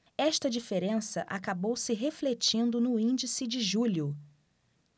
esta diferença acabou se refletindo no índice de julho